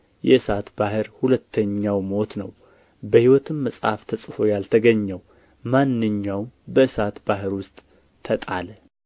የእሳት ባሕር ሁለተኛው ሞት ነው በሕይወትም መጽሐፍ ተጽፎ ያልተገኘው ማንኛውም በእሳት ባሕር ውስጥ ተጣለ